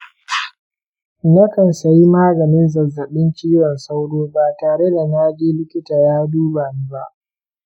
nakan sayi maganin zazzabin cizon sauro ba tareda na je likita ya duba ni ba.